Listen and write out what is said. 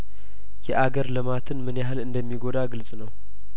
የአገር ልማትንምን ያህል እንደሚጐዳ ግልጽ ነው